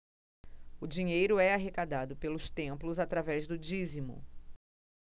o dinheiro é arrecadado pelos templos através do dízimo